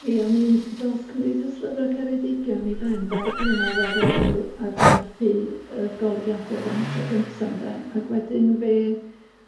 Ie, mi ddoth Cymdeithas Llyfra' Ceredigion i ben dair blynedd ar ôl argraffu yr golygiadur yr am y tro cynta ynde, ac wedyn fe